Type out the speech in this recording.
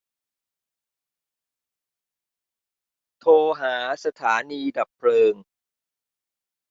โทรหาสถานีดับเพลิง